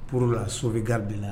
Purla so bɛ garirde la